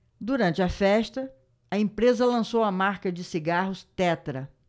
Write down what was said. durante a festa a empresa lançou a marca de cigarros tetra